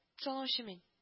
Санаучы мин